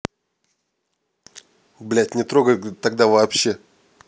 блядь не трогай тогда вообще